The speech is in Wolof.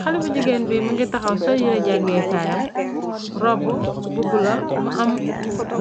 Xale bu jigeen bi mënga taxaw, sol yire jangeekaayam, robbu bu bula, mu am